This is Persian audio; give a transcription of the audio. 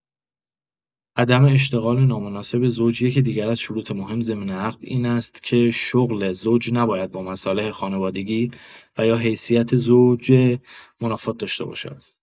عدم اشتغال نامناسب زوج یکی دیگر از شروط مهم ضمن عقد این است که شغل زوج نباید با مصالح خانوادگی و یا حیثیت زوجه منافات داشته باشد.